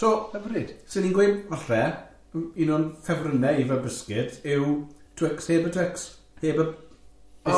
So... Na be ma nhw'n neud. ...swn i'n gweud falle, un o'n ffefrynnau i fel bisged yw Twix, heb y Twix, heb y... O reit.